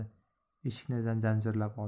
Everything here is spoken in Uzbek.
eshikni zanjirlab ol